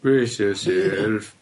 Brace yourself.